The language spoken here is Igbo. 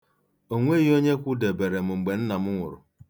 O nwegḥị onye kwụdebere m mgbe m nna m nwụrụ.